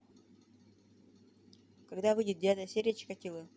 когда выйдет девятая серия чикатило